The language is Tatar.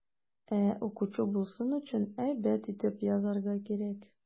Ә укучы булсын өчен, әйбәт итеп язарга кирәк.